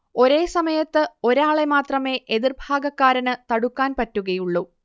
ഒരേ സമയത്ത് ഒരാളെ മാത്രമേ എതിര്ഭാഗക്കാരന് തടുക്കാൻ പറ്റുകയുള്ളു